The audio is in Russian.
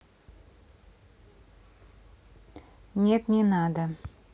нет не надо